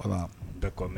Ala bɛɛ kɔ mɛn